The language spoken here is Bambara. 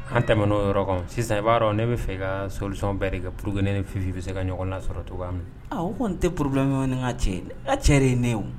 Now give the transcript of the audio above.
An tɛm n'o yɔrɔ sisan i b'a dɔn ne bɛ fɛ ka sosɔn bɛɛri kɛ purk ne ni fifin bɛ se ka ɲɔgɔn na sɔrɔ to a ko n tɛ purubi ɲɔgɔnin ka cɛ a cɛ de ye ne o